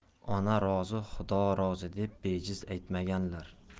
ona ro zi xudo rozi deb bejiz aytmaganlar